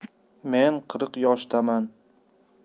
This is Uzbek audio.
men qirq yoshdaman